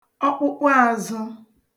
ọkpụkpụāzụ̄